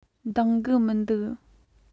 འདང གི མི འདུག